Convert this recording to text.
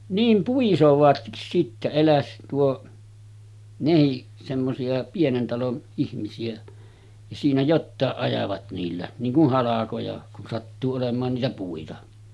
niin puisevatkin sitten äläs tuo nekin semmoisia pienen talon ihmisiä ja siinä jotakin ajavat niillä niin kuin halkoja kun sattuu olemaan niitä puita